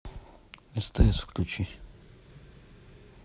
стс включи